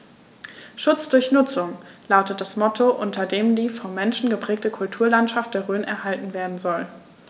„Schutz durch Nutzung“ lautet das Motto, unter dem die vom Menschen geprägte Kulturlandschaft der Rhön erhalten werden soll.